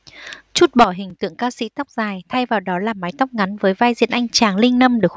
trút bỏ hình tượng ca sĩ tóc dài thay vào đó là mái tóc ngắn với vai diễn anh chàng ninh lâm được